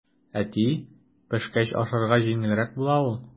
Әти, пешкәч ашарга җиңелрәк була ул.